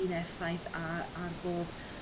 un effaith ar bob